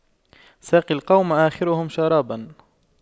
ساقي القوم آخرهم شراباً